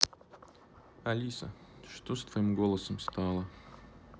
алиса что с твоим голосом стало